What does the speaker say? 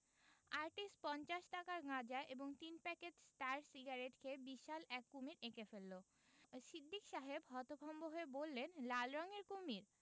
artist পঞ্চাশ টাকার গাঁজা এবং তিন প্যাকেট স্টার সিগারেট খেয়ে বিশাল এক কুমীর এঁকে ফেলল সিদ্দিক সাহেব হতভম্ব হয়ে বললেন লাল রঙের কুমীর